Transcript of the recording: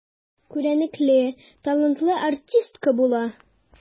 Күренекле, талантлы артистка була.